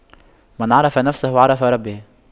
من عرف نفسه عرف ربه